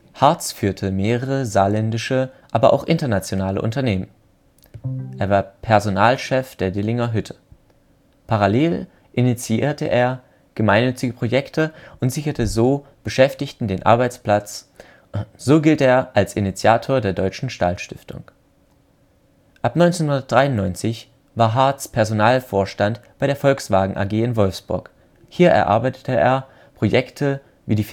Hartz führte mehrere saarländische, aber auch internationale Unternehmen. Er war Personalchef der Dillinger Hütte. Parallel initiierte er gemeinnützige Projekte und sicherte so Beschäftigten den Arbeitsplatz. So gilt er auch als Initiator der deutschen Stahlstiftung. Ab 1993 war Hartz Personalvorstand bei der Volkswagen AG in Wolfsburg. Hier erarbeitete er Projekte wie die